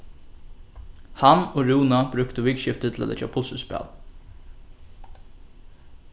hann og rúna brúktu vikuskiftið til at leggja puslispæl